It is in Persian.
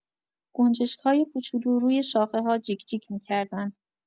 گنجشک‌های کوچولو روی شاخه‌ها جیک‌جیک می‌کردن.